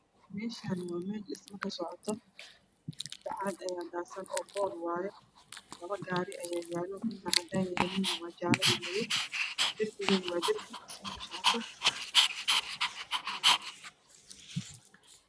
Meshan waa mel dhismo kasocoto bacad aa dasan oo waa boor wayay labo gari aya yalo midna waa cadan midna waa jale io madow darbigan waa dirbi fhismo kusocoto